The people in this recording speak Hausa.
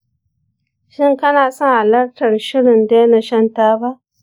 shin kana son halartar shirin daina shan taba?